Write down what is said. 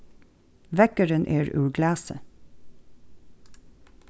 veggurin er úr glasi